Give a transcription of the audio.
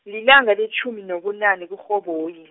lilanga letjhumi nobunane kuRhoboyi.